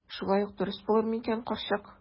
Шулай ук дөрес булыр микән, карчык?